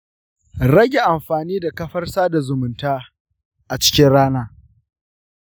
rage amfani da kafar sada zumunta a cikin rana.